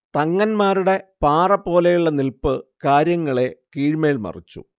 തങ്ങൻമാരുടെ പാറപോലെയുള്ള നിൽപ്പ് കാര്യങ്ങളെ കീഴ്മേൽ മറിച്ചു